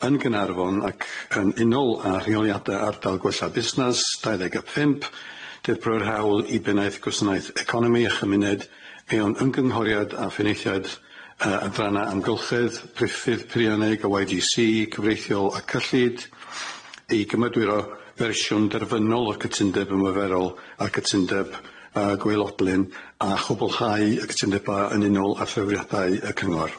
yn Gaernarfon ac yn unol â rheoliade ardal gwella busnas dau ddeg a pump dirprwy'r hawl i bennaeth gwasanaeth economi a chymuned eon ymgynghoriad a phenaethiad yy adranna amgylchedd priffydd peirianneg o Wai Dee See cyfreithiol a cyllid i gymyradwyo fershwn derfynol o'r cytundeb ymaferol a cytundeb yy gwaelodlin a chwblhau y cytundeba yn unol a threfniadau y cyngor.